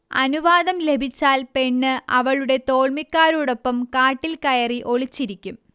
അനുവാദം ലഭിച്ചാൽ പെണ്ണ് അവളുടെ തോൾമിക്കാരോടൊപ്പം കാട്ടിൽകയറി ഒളിച്ചിരിക്കും